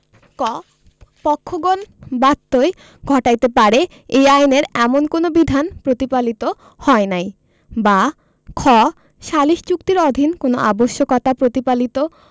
ক পক্ষগণ ব্যত্যয় ঘটাইতে পারে এই আইনের এমন কোন বিধান প্রতিপালিত হয় নাই বা খ সালিস চুক্তির অধীন কোন আবশ্যকতা প্রতিপালিত